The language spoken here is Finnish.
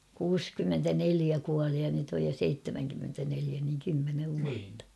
kuusikymmentäneljä kuoli ja nyt on jo seitsemänkymmentäneljä niin kymmenen vuotta